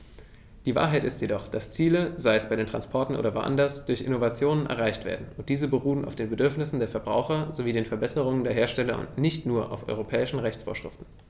Die Wahrheit ist jedoch, dass Ziele, sei es bei Transportern oder woanders, durch Innovationen erreicht werden, und diese beruhen auf den Bedürfnissen der Verbraucher sowie den Verbesserungen der Hersteller und nicht nur auf europäischen Rechtsvorschriften.